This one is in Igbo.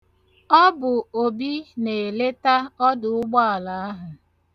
Ọ bụ Obi na-eleta ọdụụgbọala ahụ.